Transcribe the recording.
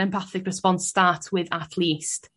empathic response start with at least.*